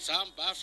San 2000